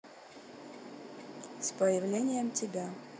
с появлением тебя